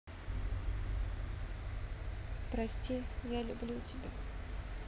прости я люблю тебя